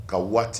Ka waati